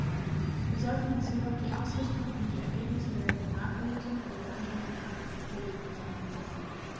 Wir sollten uns jedoch die Ausrichtung und die Ergebnisse der Regionalpolitik der Gemeinschaft mehr angelegen sein lassen.